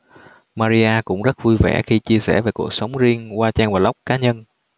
maria cũng rất vui vẻ khi chia sẻ về cuộc sống riêng qua trang blog cá nhân